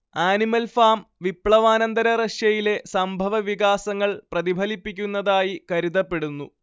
animal farm വിപ്ലവാനന്തര റഷ്യയിലെ സംഭവവികാസങ്ങൾ പ്രതിഫലിപ്പിക്കുന്നതായി കരുതപ്പെടുന്നു